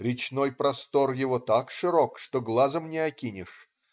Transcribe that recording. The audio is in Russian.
Речной простор его так широк, что глазом не окинешь.